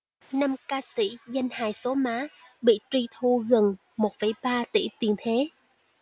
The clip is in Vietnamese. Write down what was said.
năm ca sỹ danh hài số má bị truy thu gần một phẩy ba tỷ tiền thuế